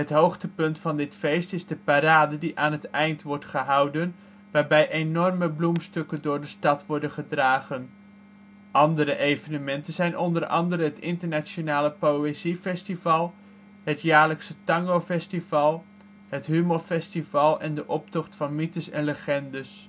hoogtepunt van dit feest is de parade die aan het eind wordt gehouden, waarbij enorme bloemstukken door de stad worden gedragen. Andere evenementen zijn onder andere het Internationale Pöeziefestival, het Jaarlijkse Tangofestival, het Humorfestival en de Optocht van Mythes en Legendes